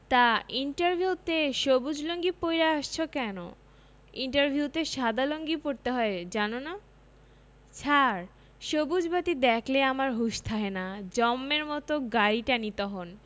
তা ইন্টারভিউ তে সবুজ লুঙ্গি পইড়া আসছো কেন ইন্টারভিউতে সাদা লুঙ্গি পড়তে হয় জানো না ছার সবুজ বাতি দ্যাখলে আমার হুশ থাহেনা জম্মের মত গাড়ি টানি তহন